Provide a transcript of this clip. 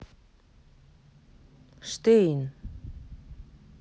штейн